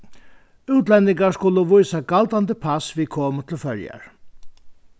útlendingar skulu vísa galdandi pass við komu til føroyar